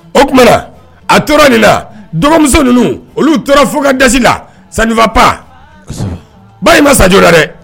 O kuma na a tora o de la dɔgɔmuso ninnu olu tora fokadasi la ça ne va pas kosɛbɛ ba in ma sa joona dɛ